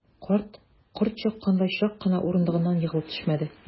Карт, корт чаккандай, чак кына урындыгыннан егылып төшмәде.